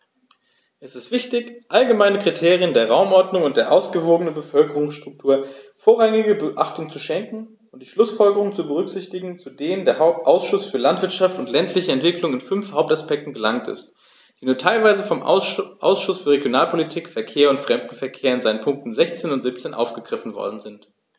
Es ist wichtig, allgemeinen Kriterien der Raumordnung und der ausgewogenen Bevölkerungsstruktur vorrangige Beachtung zu schenken und die Schlußfolgerungen zu berücksichtigen, zu denen der Ausschuss für Landwirtschaft und ländliche Entwicklung in fünf Hauptaspekten gelangt ist, die nur teilweise vom Ausschuss für Regionalpolitik, Verkehr und Fremdenverkehr in seinen Punkten 16 und 17 aufgegriffen worden sind.